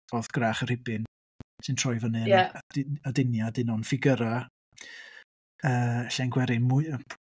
Wedyn mae 'na rheiny oedd Gwrach y Rhibyn sy'n troi fyny yn aduniad un o'n ffigurau llen gwerin,